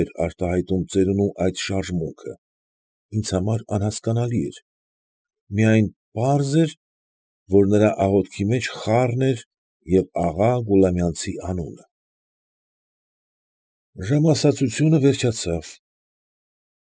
Էր արտահայտում ծերունու այդ շարժմունքը ինձ համար անհասկանալի էր։ Միաըն պարզ էր որ, նրա աղոթքի մեջ խառն էր և աղա Գուլամյանցի անունը։ Ժամասացությունը վերջացավ։